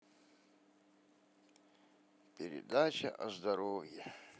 передача о здоровье